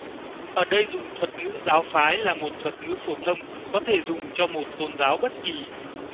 ở đây dùng thuật ngữ giáo phái là một thuật ngữ phổ thông có thể dùng cho một tôn giáo bất kỳ